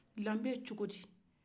dambe cogodi